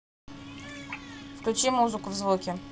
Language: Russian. включи музыку в звуке